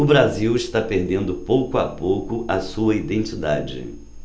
o brasil está perdendo pouco a pouco a sua identidade